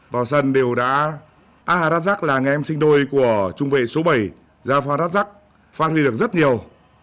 vào sân đều đã a ha đát dắc là người em sinh đôi của trung vệ số bảy ra pha đát dắt phát huy được rất nhiều